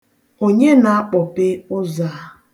Onye na-akpọpe ụzọ a?